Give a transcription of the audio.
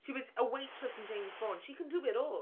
She was a waitress in James Bond. She can do it all.